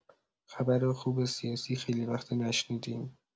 خبر خوب سیاسی خیلی وقته نشنیدیم.